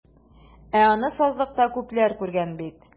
Ә аны сазлыкта күпләр күргән бит.